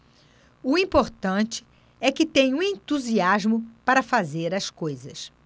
o importante é que tenho entusiasmo para fazer as coisas